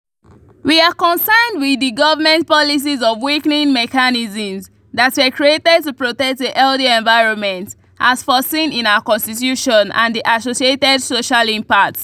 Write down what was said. We are concerned with the government's policies of weakening mechanisms that were created to protect a healthy environment, as foreseen in our Constitution, and the associated social impacts.